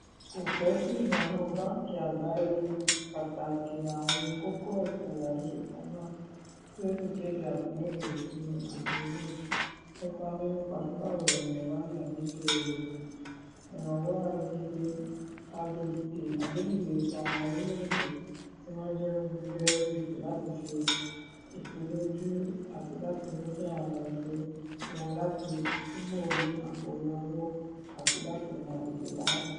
Kò pẹ́ sí ìgbà náà, Báǹkì Àgbáyé rí pàtàkì àwọn kókó ìpìlẹ̀ Àjọṣepọ̀ náà tí ó sì kéde àtìlẹ́yìn rẹ̀ fún àjọ náà "nípa mímú pàsípààrọ̀ ìmọ̀ wáyé àti ṣíṣe ìrànwọ́ àgbédìde ipá àwọn orílẹ̀-èdè tí wọ́n jẹ́ ọmọ-ẹgbẹ́ OGP láti lè ṣe ìfẹ̀lójú àti láti mú kí àwọn ètò wọn láti túbọ̀ ní àkóyawọ́ àti láti máa tètè dáhùn ṣiṣẹ́."